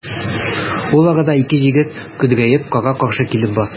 Ул арада ике җегет көдрәеп кара-каршы килеп басты.